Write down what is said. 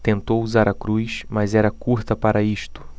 tentou usar a cruz mas era curta para isto